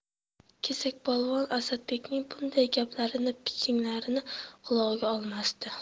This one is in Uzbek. kesakpolvon asadbekning bunday gaplarini pichinglarini qulog'iga olmasdi